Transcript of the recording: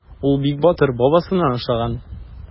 Ул бик батыр, бабасына охшаган.